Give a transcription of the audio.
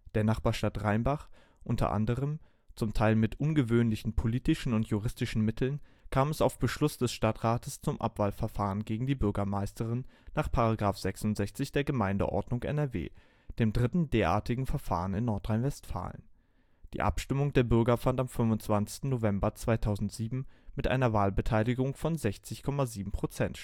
der Nachbarstadt Rheinbach u. a., z. T. mit ungewöhnlichen politischen und juristischen Mitteln, kam es auf Beschluss des Stadtrates zum Abwahlverfahren gegen die Bürgermeisterin nach § 66 der Gemeindeordnung NRW, dem dritten derartigen Verfahren in Nordrhein-Westfalen. Die Abstimmung der Bürger fand am 25. November 2007 mit einer Wahlbeteiligung von 60,7 %